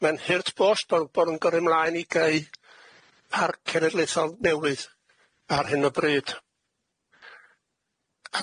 Mae'n hurt bost bo' bo' nw'n gyrru mlaen i g'eu' parc cenedlaethol newydd ar hyn o bryd.